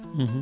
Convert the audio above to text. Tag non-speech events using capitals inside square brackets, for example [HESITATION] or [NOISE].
[HESITATION] [HESITATION]